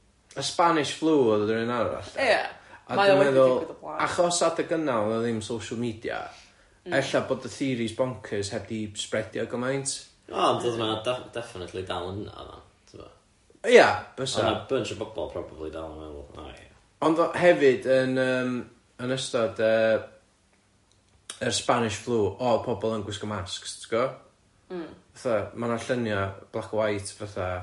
Y Spanish Flu o'dd yr un arall... Ia, mae o wedi digwydd o' blaen... A dwi'n meddwl achos adag yna o'dd 'na ddim social media ella bod y theories bonkers heb 'di-sbredio gymaint? O ond o'dd ma' 'na da- definitely dal yna oddan, ti'bod? Ia bysa... O'dd 'na bunch o bobl probably dal yn meddwl o ia... Ond o- hefyd yn yym yn ystod yy, yr Spanish Flu o'dd pobol yn gwisgo masks ti'n gwbod... M-hm ...fatha ma' na llunia' black and white fatha... Ia